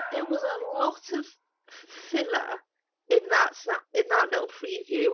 There was a lot of f- filler, in that snap... in that little preview.